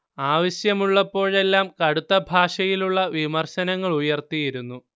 ആവശ്യമുള്ളപ്പോഴെല്ലാം കടുത്ത ഭാഷയിലുള്ള വിമർശനങ്ങളുയർത്തിയിരുന്നു